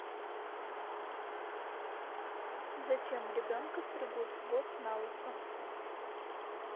зачем ребенка стригут в год налысо